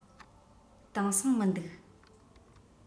དེང སང མི འདུག